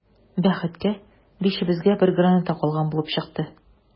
Бәхеткә, бишебезгә бер граната калган булып чыкты.